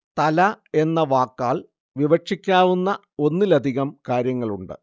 തല എന്ന വാക്കാല്‍ വിവക്ഷിക്കാവുന്ന ഒന്നിലധികം കാര്യങ്ങളുണ്ട്